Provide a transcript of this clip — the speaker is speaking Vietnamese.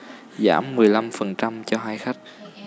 giảm mười lăm phần trăm cho hai khách